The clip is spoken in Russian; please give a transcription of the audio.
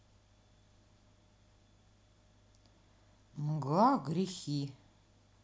мгла грехи